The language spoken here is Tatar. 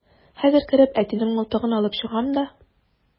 Хәзер кереп әтинең мылтыгын алып чыгам да...